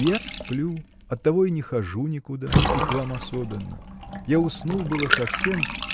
Я и сплю, оттого и не хожу никуда, и к вам особенно. Я уснул было совсем